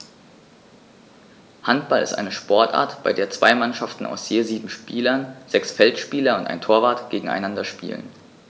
Handball ist eine Sportart, bei der zwei Mannschaften aus je sieben Spielern (sechs Feldspieler und ein Torwart) gegeneinander spielen.